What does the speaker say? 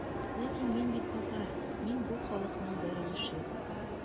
Ләкин мин бит татар, мин бу халыкның бер өлеше.